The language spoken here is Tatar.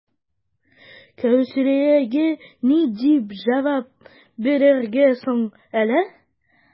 Кәүсәриягә ни дип җавап бирергә соң әле?